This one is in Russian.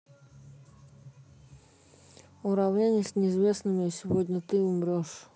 уравнение с неизвестными сегодня ты умрешь